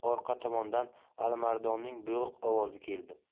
tomondan alimardonning bo'g'iq ovozi keldi